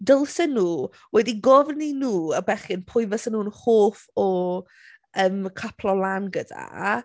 Dylsen nhw wedi gofyn i nhw y bechgyn pwy fysen nhw'n hoff o yym cyplo lan gyda